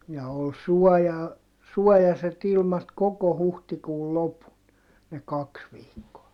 ja oli suoja suojaiset ilmat koko huhtikuun lopun ne kaksi viikkoa